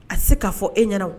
A se k'a fɔ e ɲɛna